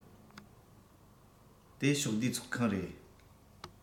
དེ ཕྱོགས བསྡུས ཚོགས ཁང རེད